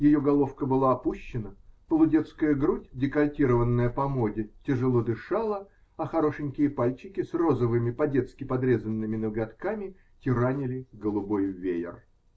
Ее головка была опущена, полудетская грудь, декольтированная по моде, тяжело дышала, а хорошенькие пальчики с розовыми, по-детски подрезанными ноготками тиранили голубой веер.